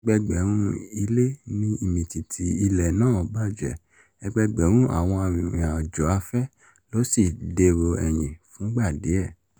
Ẹgbẹẹgbẹ̀rún ilé ni ìmìtìtì ilẹ̀ náà ba jẹ́, ẹgbẹẹgbẹ̀rún àwọn arìnrìn-àjò afẹ́ ló sì dèrò ẹ̀yìn fúngbà díẹ̀.